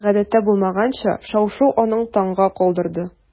Гадәттә булмаганча шау-шу аны таңга калдырды.